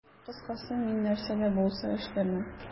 Кыскасы, мин нәрсә дә булса эшләрмен.